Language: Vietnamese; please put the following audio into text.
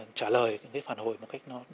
trả lời cái phản hồi và cách nói